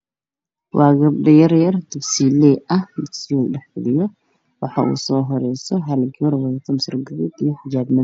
Waa gabdho yaryar oo dugsiley ah oo dugsiga dhex fadhiyo waxaa ugu soo horeyso gabar wadato masar gaduud ah iyo xijaab madow.